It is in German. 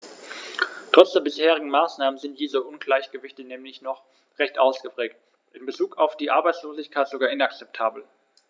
Trotz der bisherigen Maßnahmen sind diese Ungleichgewichte nämlich noch recht ausgeprägt, in bezug auf die Arbeitslosigkeit sogar inakzeptabel.